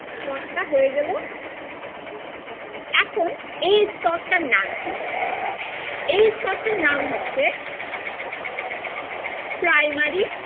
স্তরটা হয়ে গেল এখন এই স্তরটার নাম কি এই স্তর টার নাম হচ্ছে প্রাইমারি